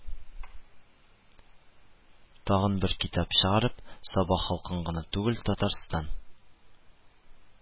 Тагын бер китап чыгарып, саба халкын гына түгел, татарстан